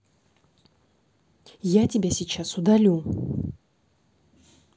я тебя сейчас удалю